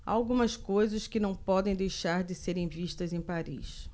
há algumas coisas que não podem deixar de serem vistas em paris